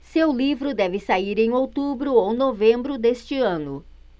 seu livro deve sair em outubro ou novembro deste ano